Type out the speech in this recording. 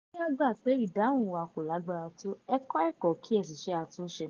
Ẹ jẹ́ kí á gbà pé ìdáhùn wa kò lágbára tó, ẹ kọ́ ẹ̀kọ́ kí ẹ sì ṣe àtúnṣe.